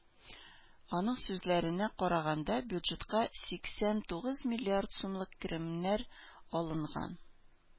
Аның сүзләренә караганда, бюджетка сиксән тугыз миллиард сумлык керемнәр алынган.